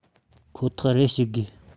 ཁོ ཐག རར ཞུགས དགོས